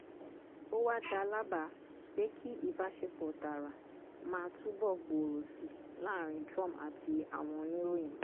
Ó wá dá lábàá pé kí ìbáṣepọ̀ tààrà máa túnbọ gbòòrò síi láàrin Trump àti àwọn oníròyìn.